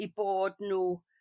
'u bod nw